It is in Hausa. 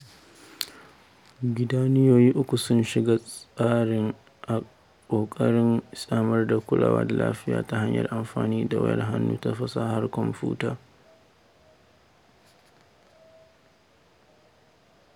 Gidauniyoyi uku sun shiga tsarin a ƙoƙarin samar da kulawa da lafiya ta hanyar amfani da wayar hannu da fasahar kwamfuta.